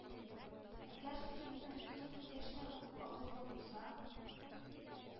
Әгәр син инде утыз дүрт яшьтә үк акыллы булсаң?